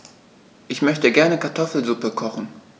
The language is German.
Ich möchte gerne Kartoffelsuppe kochen.